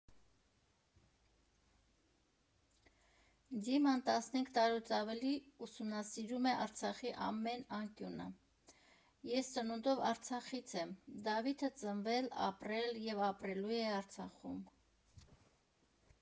Դիման տասնհինգ տարուց ավելի ուսումնասիրում է Արցախի ամեն անկյունը, ես ծնունդով Արցախից եմ, Դավիթը ծնվել, ապրել և ապրելու է Արցախում։